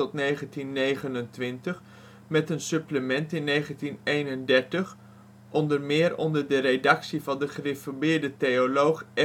1926 tot 1929 met een supplement in 1931, o.m. onder redactie van de gereformeerde theoloog